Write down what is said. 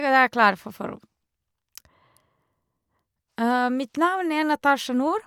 Mitt navn er Natasa Nord.